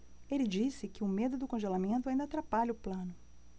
ele disse que o medo do congelamento ainda atrapalha o plano